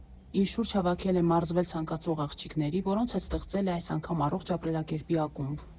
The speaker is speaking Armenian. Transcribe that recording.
Իր շուրջ հավաքել է մարզվել ցանկացող աղջիկների, որոնց հետ ստեղծել է այս անգամ առողջ ապրելակերպի ակումբ։